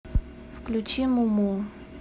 включи муму